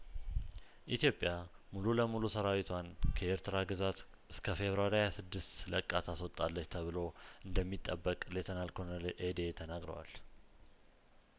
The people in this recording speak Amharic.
ኢትዮጵያሙሉ ለሙሉ ሰራዊቷን ከኤርትራ ግዛት እስከፌብርዋሪ ሀያስድስት ለቃ ታስወጣለች ተብሎ እንደሚጠበቅ ሌትናል ኮሎኔል ኤዴ ተናግረዋል